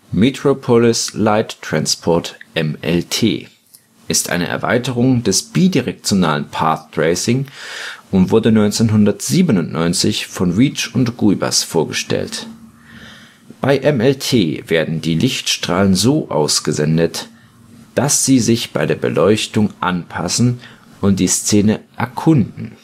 Metropolis Light Transport (MLT) ist eine Erweiterung des bidirektionalen Path Tracing und wurde 1997 von Veach und Guibas vorgestellt. Bei MLT werden die Lichtstrahlen so ausgesendet, dass sie sich der Beleuchtung anpassen und die Szene „ erkunden